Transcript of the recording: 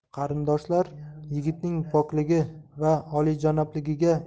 qarindoshlar yigitning pokligi va oliyjanobligiga